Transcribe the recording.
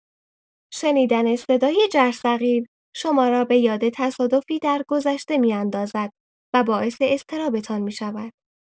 شنیدن صدای جرثقیل شما را به یا تصادفی درگذشته می‌اندازد و باعث اضطرابتان می‌شود.